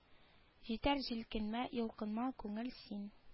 Җитәр җилкенмә йолкынма күңел син